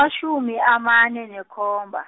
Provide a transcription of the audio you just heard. -atjhumi amane nekhomba.